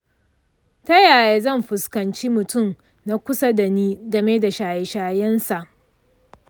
ta yaya zan fuskanci mutun na kusa da ni game da shaye-shayensa?